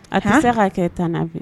A ka kan ka se ka kɛ tan